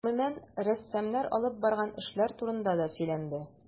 Гомүмән, рәссамнар алып барган эшләр турында да сөйләнде.